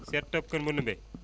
Cheikh Top Kër Madoumbe